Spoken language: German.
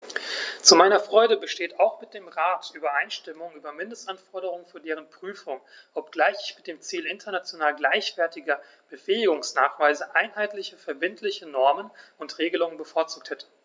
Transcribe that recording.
Zu meiner Freude besteht auch mit dem Rat Übereinstimmung über Mindestanforderungen für deren Prüfung, obgleich ich mit dem Ziel international gleichwertiger Befähigungsnachweise einheitliche verbindliche Normen und Regelungen bevorzugt hätte.